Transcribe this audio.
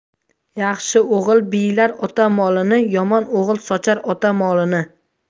yaxshi o'g'il biylar ota molini yomon o'g'il sochar ota molini